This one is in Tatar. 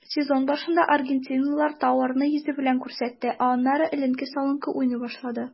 Сезон башында аргентинлылар тауарны йөзе белән күрсәтте, ә аннары эленке-салынкы уйный башлады.